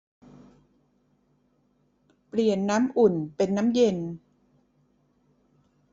เปลี่ยนน้ำอุ่นเป็นน้ำเย็น